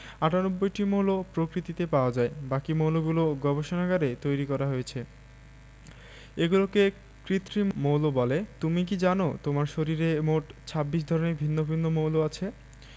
৯৮টি মৌল প্রকৃতিতে পাওয়া যায় বাকি মৌলগুলো গবেষণাগারে তৈরি করা হয়েছে এগুলোকে কৃত্রিম মৌল বলে তুমি কি জানো তোমার শরীরে মোট ২৬ ধরনের ভিন্ন ভিন্ন মৌল আছে